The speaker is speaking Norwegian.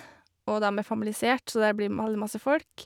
Og dem er familisert, så det blir m veldig masse folk.